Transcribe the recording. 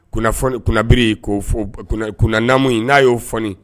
Bri k'o naamumu n'a y'o fɔɔni